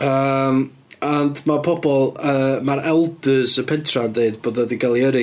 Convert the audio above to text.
Yym ond ma' pobl yy... Ma'r Elders y pentre yn deud bod o 'di cael ei yrru...